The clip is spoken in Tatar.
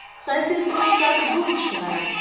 Хәзер пруссак бунт чыгара.